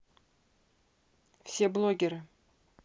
все блогеры